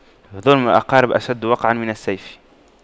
ظلم الأقارب أشد وقعا من السيف